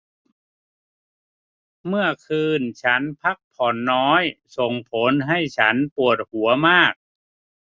เมื่อคืนฉันพักผ่อนน้อยส่งผลให้ฉันปวดหัวมาก